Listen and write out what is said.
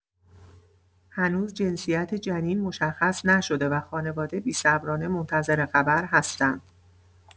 هنوز جنسیت جنین مشخص نشده و خانواده بی‌صبرانه منتظر خبر هستن.